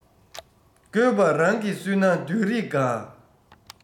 དགོས པ རང གིས བསུས ན བདུད རིགས དགའ